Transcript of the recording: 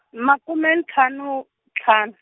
makume ntlhanu, ntlhanu.